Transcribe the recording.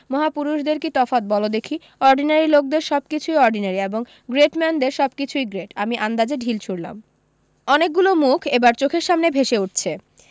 মহাপুরুষদের কী তফাত বলো দেখি অর্ডিনারি লোকদের সব কিছুই অর্ডিনারি এবং গ্রেটম্যানদের সব কিছুই গ্রেট আমি আন্দাজে ঢিল ছুঁড়লাম অনেকগুলো মুখ এবার চোখের সামনে ভেষে উঠছে